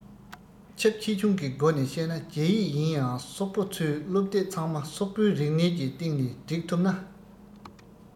ཁྱབ ཆེ ཆུང གི སྒོ ནས བཤད ན རྒྱ ཡིག ཡིན ཡང སོག པོ ཚོས སློབ དེབ ཚང མ སོག པོའི རིག གནས ཀྱི སྟེང ནས སྒྲིག ཐུབ ན